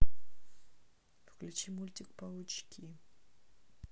включи мультик паучки